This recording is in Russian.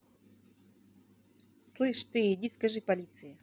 слышь ты иди скажи полиции